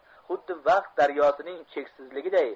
xuddi vaqt daryosining cheksizligiday